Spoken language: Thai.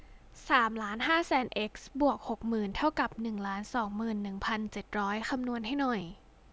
สามล้านห้าแสนเอ็กซ์บวกหกหมื่นเท่ากับหนึ่งล้านสองหมื่นหนึ่งพันเจ็ดร้อยคำนวณให้หน่อย